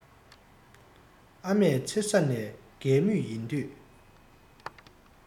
ཨ མའི མཚེར ས ནས རྒས མུས ཡིན དུས